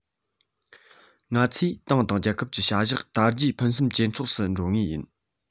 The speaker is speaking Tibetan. ང ཚོའི ཏང དང རྒྱལ ཁབ ཀྱི བྱ གཞག དར རྒྱས ཕུན སུམ ཇེ ཚོགས སུ འགྲོ ངེས ཡིན